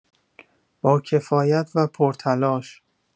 با کفایت و پرتلاش